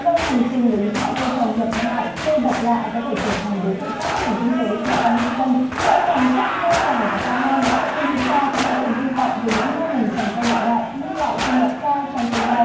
vâng hành trình để những loại cây trồng nhập ngoại cây độc lạ có thể trở thành đối tượng phát triển kinh tế cho bà con nông dân sẽ còn rất lâu dài và gian nan nhưng chúng ta cũng có quyền hy vọng về những mô hình trồng cây nhập ngoại mang lại thu nhập cao trong tương lai